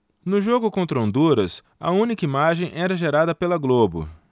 no jogo contra honduras a única imagem era gerada pela globo